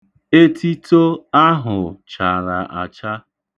Etito ahụ chara acha.